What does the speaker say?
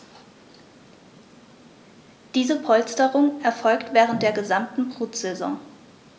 Diese Polsterung erfolgt während der gesamten Brutsaison.